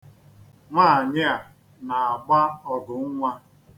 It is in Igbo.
Nwaanyị a na-agba ọgụ nnwa.